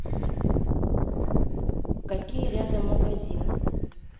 какие рядом магазины